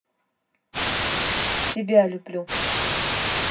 тебя люблю